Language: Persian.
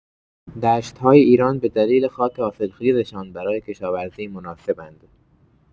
دشت‌های ایران به دلیل خاک حاصلخیزشان برای کشاورزی مناسب‌اند.